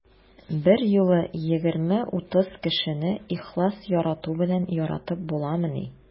Берьюлы 20-30 кешене ихлас ярату белән яратып буламыни?